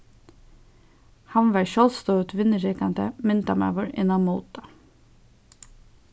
hann var sjálvstøðugt vinnurekandi myndamaður innan móta